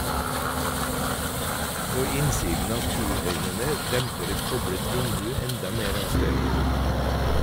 På innsiden av kuøynene demper et koblet vindu enda mer av støyen.